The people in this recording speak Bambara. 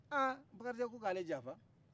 ahh bakarijan ko ka ale janfa